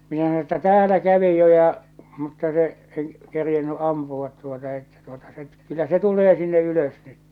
minä sanoin että täällä kävi jo ja mutta se en kerinnyt ampua tuota että tuota se kyllä se tulee sinne ylös nyt